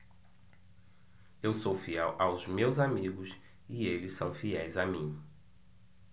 eu sou fiel aos meus amigos e eles são fiéis a mim